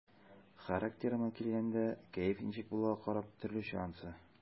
Характерыма килгәндә, кәеф ничек булуга карап, төрлечә анысы.